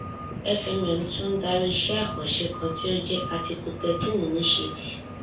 FMM tún ń darí iṣẹ́ àkànṣe kan tí ó ń jẹ́ "Article 13 Initiative"?